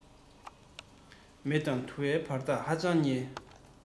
མེ དང དུ བའི བར ཐག ཧ ཅང ཉེ